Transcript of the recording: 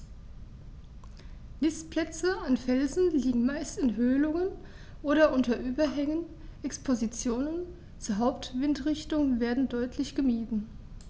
Nistplätze an Felsen liegen meist in Höhlungen oder unter Überhängen, Expositionen zur Hauptwindrichtung werden deutlich gemieden.